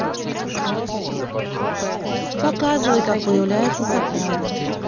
показывай как появляется сопрано